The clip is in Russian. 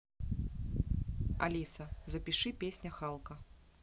алиса запиши песня халка